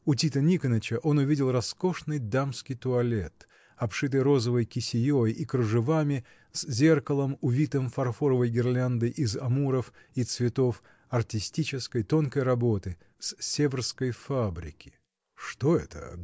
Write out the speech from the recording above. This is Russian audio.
У Тита Никоныча он увидел роскошный дамский туалет, обшитый розовой кисеей и кружевами, с зеркалом, увитым фарфоровой гирляндой из амуров и цветов, артистической, тонкой работы, с Севрской фабрики. — Что это?